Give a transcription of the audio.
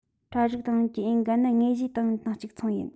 གྲ སྒྲིག ཏང ཡོན གྱི འོས འགན ནི དངོས གཞིའི ཏང ཡོན དང གཅིག མཚུངས ཡིན